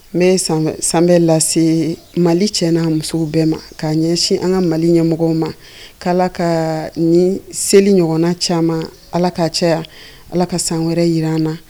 N bɛ sanbɛ sanbɛ lase Mali cɛ n'a musow bɛɛ ma ka ɲɛsin an ka Mali ɲɛmɔgɔ ma k' Ala ka ni seli ɲɔgɔnna caman Ala k'a caya Ala ka san wɛrɛ jira an na.